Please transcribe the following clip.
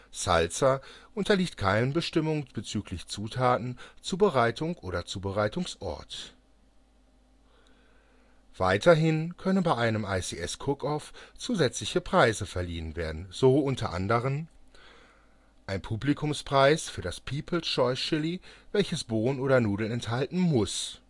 Salsa unterliegt keinen Bestimmungen bezüglich Zutaten, Zubereitung oder Zubereitungsort. Weiterhin können bei einem ICS Cook Off zusätzliche Preise verliehen werden, so unter anderem: Ein Publikumspreis für das Peoples Choice Chili, welches Bohnen oder Nudeln enthalten muss